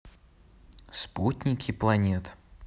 спутники планет